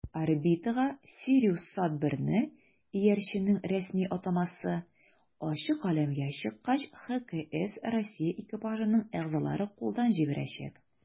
Орбитага "СириусСат-1"ны (иярченнең рәсми атамасы) ачык галәмгә чыккач ХКС Россия экипажының әгъзалары кулдан җибәрәчәк.